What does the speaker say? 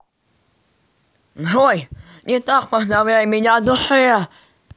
джой не так поздравь меня о душе